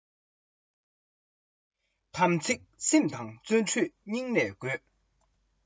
རྒོད པོ ཡིན ཡང ནམ འཕང གཅོད མདོག མེད